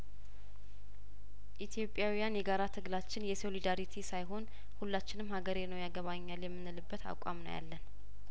ኢትዮጵያውያን የጋራ ትግላችን የሶሊዳሪቲ ሳይሆን ሁላችንም ሀገሬ ነው ያገባኛል የምንልበት አቋም ነው ያለን